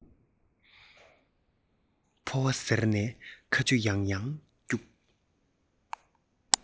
ཕོ བ གཟེར ནས ཁ ཆུ ཡང ཡང བསྐྱུགས